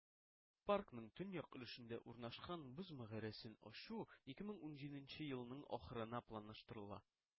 Паркның төньяк өлешендә урнашкан "Боз мәгарәсен" ачу 2017 елның ахырына планлаштырыла.